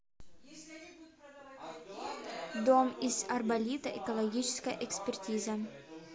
дом из арболита экологическая экспертиза